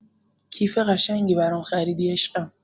کیف قشنگی برام خریدی عشقم.